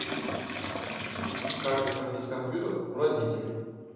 как попросить компьютер у родителей